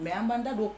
Layabandadɔ